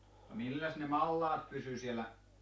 no millä ne malat pysyi siellä